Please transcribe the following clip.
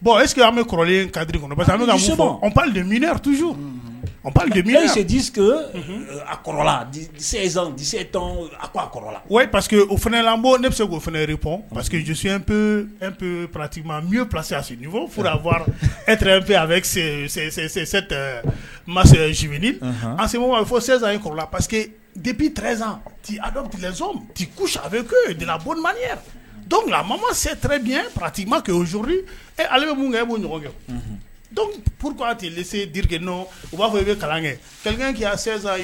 Bon eseke an bɛ kɔrɔlen kadi kɔnɔ parcetusiseji a kɔrɔ a kɔrɔla o pa que o ne bɛ se k'o fanare pa quesipp patise ninfɔ furuwa e masa z a fɔsan kɔrɔla pa que de bi t ti a a mama ma seɛrɛ dun pati ma ke s zori e ale bɛ mun kɛ e b'o ɲɔgɔn kɛ pur tɛ le dike n u b'a fɔ i bɛ kalan kɛ kakan i